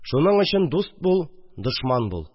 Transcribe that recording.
Шуның өчен дуст бул, дошман бул